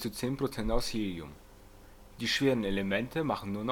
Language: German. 10% aus Helium. Die schwereren Elemente machen